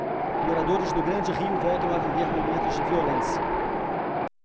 moradores do grande rio voltam a viver momentos de violência